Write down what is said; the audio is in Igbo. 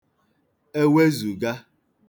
ewezùga